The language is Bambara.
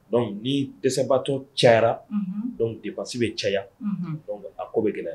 Dɔnku ni dɛsɛsabatɔ ca de basisi bɛ caya a ko bɛ gɛlɛ